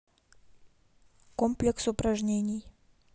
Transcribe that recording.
комплекс упражнений